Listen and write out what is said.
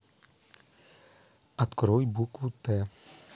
открой букву т